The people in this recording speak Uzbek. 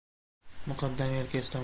muqaddam yelkasidan muz